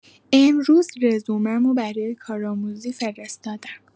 امروز رزومه‌مو برای کارآموزی فرستادم